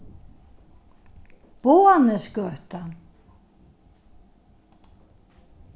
boðanesgøta